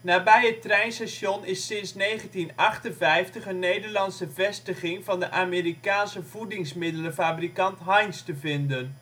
Nabij het treinstation is sinds 1958 een Nederlandse vestiging van de Amerikaanse voedingsmiddelenfabrikant Heinz te vinden.